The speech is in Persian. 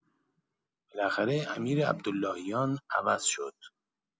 بالاخره امیرعبداللهیان عوض شد.